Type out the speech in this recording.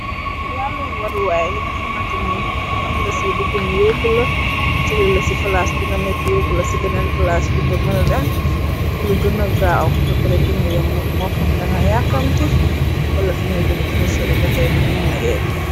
Wàllum waruwaaye linga xamante ni mën nga ci duggumu yóbbu la jili la ci palaag di nga nekk yobbu la ci beneen palaage. Di nga mëna dem ci lu gëna gaaw pepere gëna yoom. Mo xam danga yàakamti wala fi nga jëm di fossori ba tey di nga mëna yegg.